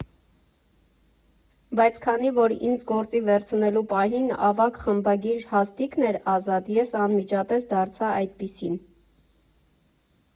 Բայց քանի որ ինձ գործի վերցնելու պահին ավագ խմբագրի հաստիքն էր ազատ, ես անմիջապես դարձա այդպիսին։